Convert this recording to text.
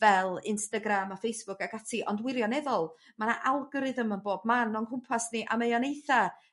fel Instagram a Facebook ac ati ond wirioneddol ma' 'na algorithm yn bob man o'n nghwmpas ni a mae o'n eitha